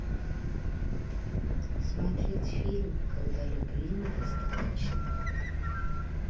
смотреть фильм когда любви недостаточно